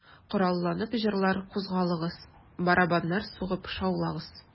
Коралланып, җырлар, кузгалыгыз, Барабаннар сугып шаулагыз...